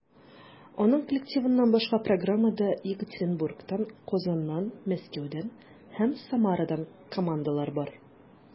Аның коллективыннан башка, программада Екатеринбургтан, Казаннан, Мәскәүдән һәм Самарадан командалар бар.